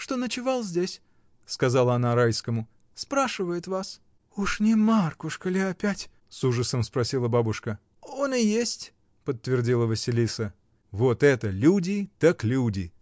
что ночевал здесь, — сказала она Райскому, — спрашивает вас! — Уж не Маркушка ли опять? — с ужасом спросила бабушка. — Он и есть! — подтвердила Василиса. — Вот это люди так люди!